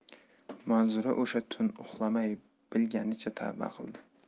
manzura o'sha tun uxlamay bilganicha tavba qildi